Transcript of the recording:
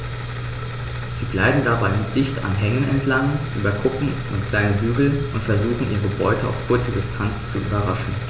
Sie gleiten dabei dicht an Hängen entlang, über Kuppen und kleine Hügel und versuchen ihre Beute auf kurze Distanz zu überraschen.